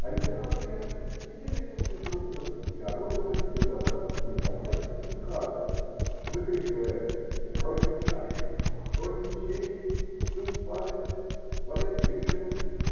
Оригиналы фресок сидели тут же группами и орудовали безобразными итальянскими картами, выкрикивая: -- Тройка чаш! -- Конь мечей! -- Туз палиц! -- Валет гривен!